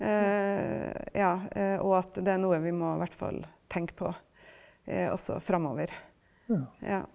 ja og at det er noe vi må hvert fall tenke på også framover ja.